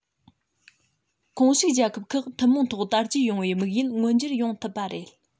ཁོངས ཞུགས རྒྱལ ཁབ ཁག ཐུན མོང ཐོག དར རྒྱས ཡོང བའི དམིགས ཡུལ མངོན འགྱུར ཡོང ཐུབ པ རེད